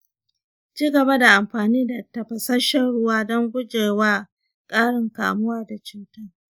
ci gaba da amfani da tafasasshen ruwa don guje wa ƙarin kamuwa da cuta.